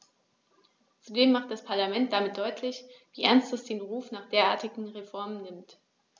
Zudem macht das Parlament damit deutlich, wie ernst es den Ruf nach derartigen Reformen nimmt.